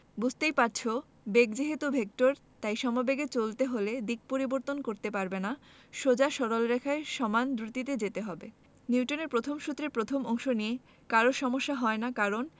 বুঝতেই পারছ বেগ যেহেতু ভেক্টর তাই সমবেগে চলতে হলে দিক পরিবর্তন করতে পারবে না সোজা সরলরেখায় সমান দ্রুতিতে যেতে হবেনিউটনের প্রথম সূত্রের প্রথম অংশ নিয়ে কারো সমস্যা হয় না কারণ